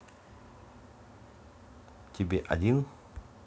тебе один